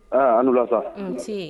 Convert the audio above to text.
Aa an wula sa, nse